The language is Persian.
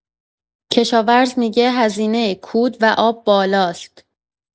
کشاورز می‌گه هزینه کود و آب بالاست.